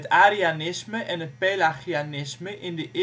arianisme en het pelagianisme in de